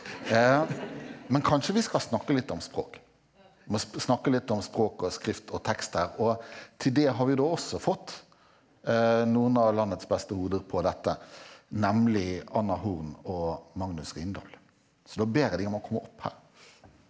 men kanskje vi skal snakke litt om språk må snakke litt om språk og skrift og tekst her og til det har vi da også fått noen av landets beste hoder på dette, nemlig Anna Horn og Magnus Rindal, så da ber jeg de om å komme opp her.